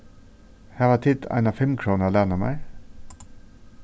hava tit eina fimmkrónu at læna mær